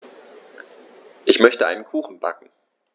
Ich möchte einen Kuchen backen.